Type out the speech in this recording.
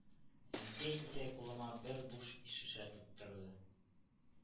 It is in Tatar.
Әнкәй исә кулыма бер буш шешә тоттырды.